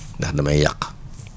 ndax damay yàq